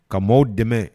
Ka mɔgɔw dɛmɛ